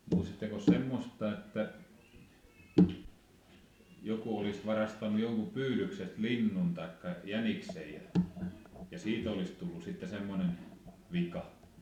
muistattekos semmoista että joku olisi varastanut jonkun pyydyksestä linnun tai jäniksen ja ja sitten olisi tullut sitten semmoinen vika